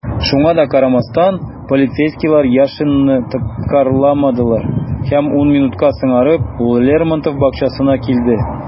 Шуңа да карамастан, полицейскийлар Яшинны тоткарламадылар - һәм ун минутка соңарып, ул Лермонтов бакчасына килде.